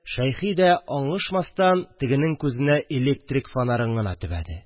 Шәйхи дә аңышмастан тегенең күзенә электрик фонарен гына төбәде